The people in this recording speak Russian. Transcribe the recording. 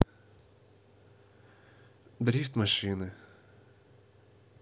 дрифт машины